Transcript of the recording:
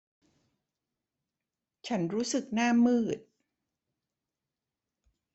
ฉันรู้สึกหน้ามืด